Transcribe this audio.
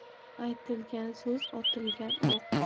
aytilgan so'z otilgan o'q